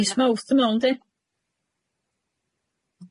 Mis Mawrth dwi me'wl yndi?